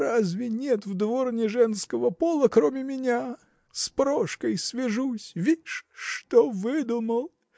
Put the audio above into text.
Разве нет в дворне женского пола, кроме меня? С Прошкой свяжусь! вишь, что выдумал!